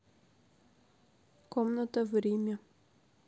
комната в риме